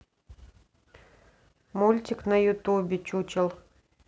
мультик на ютубе чучел